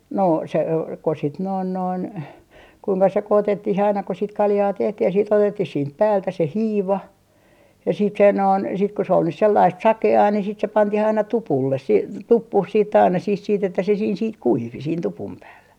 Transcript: no se - kun sitten noin noin kuinka sekoitettiin aina kun sitten kaljaa tehtiin ja sitten otettiin siitä päältä se hiiva ja sitten se noin sitten kun se oli nyt sellaista sakeaa niin sitten se pantiin aina tupulle - tuppuun sitten aina siihen sitten että se siinä sitten kuivui siinä tupun päällä